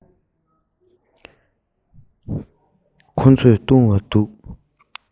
ཁོ ཚོས བཏུང བ འདུག